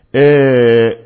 Ɛɛ